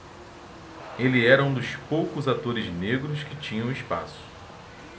ele era um dos poucos atores negros que tinham espaço